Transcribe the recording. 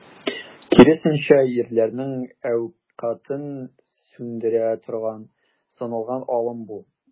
Киресенчә, ирләрнең әүкатен сүндерә торган, сыналган алым бу.